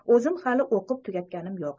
o'zim hali o'qib tugatganim yo'q